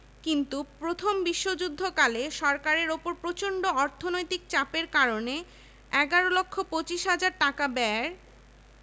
১৯১৯ সালের ১১ September Imperial Legislative কাউন্সিলে ঢাকা বিশ্ববিদ্যালয় বিলটি উত্থাপিত হয় সরকার কলকাতা বিশ্ববিদ্যালয় কর্তৃপক্ষকে